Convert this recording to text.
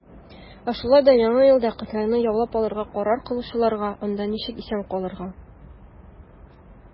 Ә шулай да Яңа елда Кытайны яулап алырга карар кылучыларга, - анда ничек исән калырга.